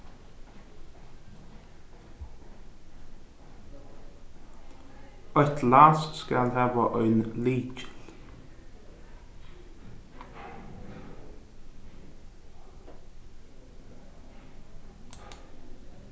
eitt lás skal hava ein lykil